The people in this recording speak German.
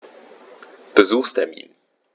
Besuchstermin